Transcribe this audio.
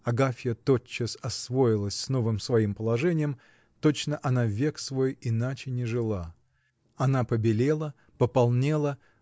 Агафья тотчас освоилась с новым своим положением, точно она век свой иначе не жила. Она побелела, пополнела